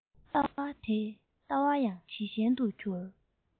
ལྟ བ ཡང ཇེ ཞན དུ གྱུར